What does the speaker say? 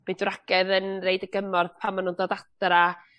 Bydwragedd yn roid y gymorth pan ma' nw'n dod adra.